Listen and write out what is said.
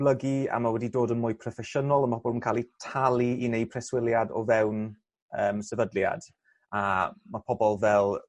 datblygu a ma' wedi dod yn mwy proffesiynol a ma' pobol yn ca'l 'u talu i neud preswyliad o fewn yym sefydliad a ma' pobol fel